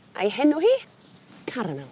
A'i henw hi carano.